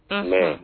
Unhun